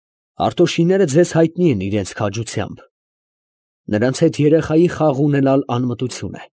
Հարտոշիները ձեզ հայտնի են իրանց քաջությամբ, նրանց հետ երեխայի խաղ ունենալ անմտություն է։